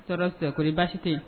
Tɔɔrɔ sɛ baasi tɛ